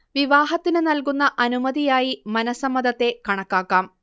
വിവാഹത്തിന് നൽകുന്ന അനുമതിയായി മനഃസമ്മതത്തെ കണക്കാക്കാം